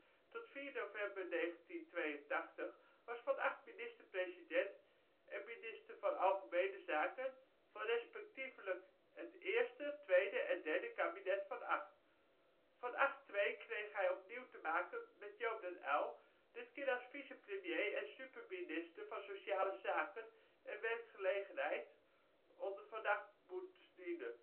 tot 4 november 1982 was Van Agt minister-president en minister van Algemene Zaken, van respectievelijk het Eerste, Tweede en Derde Kabinet-Van Agt. In Van Agt II kreeg hij opnieuw te maken met Joop den Uyl, die dit keer als vice-premier en " superminister " van Sociale Zaken en Werkgelegenheid onder Van Agt moest dienen